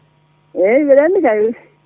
eeyi mbiɗa anndi kay